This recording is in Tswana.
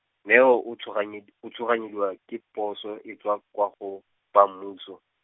Neo a tshoganye- tshoganyediwa ke poso e tswa kwa go, ba mmuso.